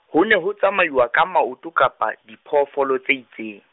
ho ne ho tsamaiwa ka maoto kapa, diphoofolo tse itseng.